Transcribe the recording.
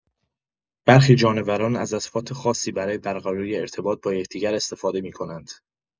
برخی جانوران از اصوات خاصی برای برقراری ارتباط با یکدیگر استفاده می‌کنند.